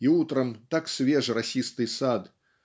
и утром так свеж росистый сад